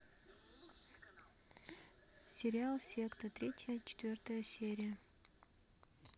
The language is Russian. сериал секта третья четвертая серия